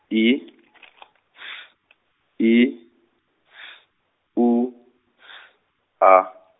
I , S, I, S, U, S, A.